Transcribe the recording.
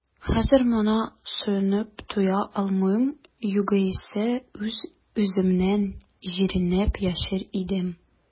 Хәзер моңа сөенеп туя алмыйм, югыйсә үз-үземнән җирәнеп яшәр идем.